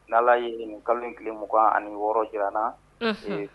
N' ye ɲininka kalo tile mugan ani wɔɔrɔ jirana